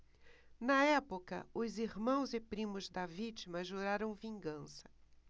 na época os irmãos e primos da vítima juraram vingança